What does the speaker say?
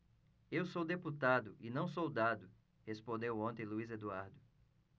eu sou deputado e não soldado respondeu ontem luís eduardo